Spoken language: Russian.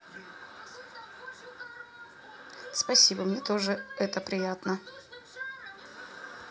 спасибо мне тоже это приятно